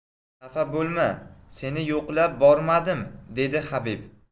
xafa bo'lma seni yo'qlab bormadim dedi habib